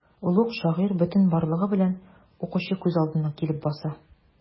Олуг шагыйрь бөтен барлыгы белән укучы күз алдына килеп баса.